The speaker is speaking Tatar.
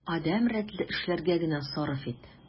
Адәм рәтле эшләргә генә сарыф ит.